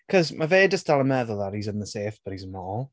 'Cause, ma' fe jyst dal yn meddwl that he's in the safe, but he's not.